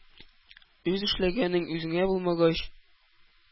Үз эшләгәнең үзеңә булмагач,